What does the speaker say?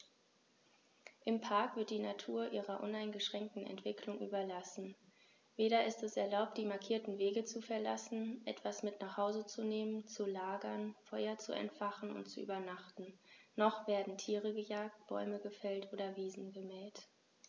Im Park wird die Natur ihrer uneingeschränkten Entwicklung überlassen; weder ist es erlaubt, die markierten Wege zu verlassen, etwas mit nach Hause zu nehmen, zu lagern, Feuer zu entfachen und zu übernachten, noch werden Tiere gejagt, Bäume gefällt oder Wiesen gemäht.